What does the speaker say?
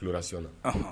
Ara sɔnna